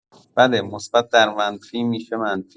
بله مثبت در منفی می‌شه منفی